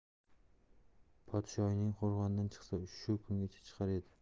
podshoying qo'rg'onidan chiqsa shu kungacha chiqar edi